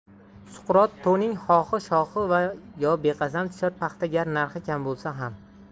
suqrot to'ning xohi shohi va yo beqasam tushar paxta gar narxi kam bo'lsa ham